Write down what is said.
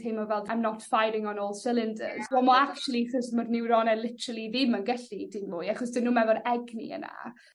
teimlo fel I'n not firing on all cylinders wel mo' actually 'chos ma'r niwrone literally ddim yn gallu dim mwy achos 'dyn nw'm efo'r egni yna